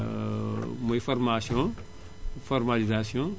muy foramation formalisation